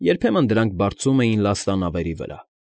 Երբեմն դրանք բարձում էին լաստանավերի վրա։